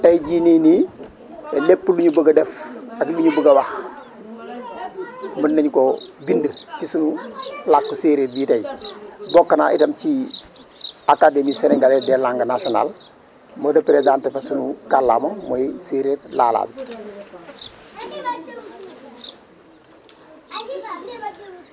tey jii nii nii lépp lu ñu bëgg a def ak lu ñu bëgg a wax mën nañu koo bind ci sunu làkk séeréer bii tey bokk naa itam ci académie sénégalaise des langues nationales ma représenté fa sunu kàllaama muy séeréer lala bi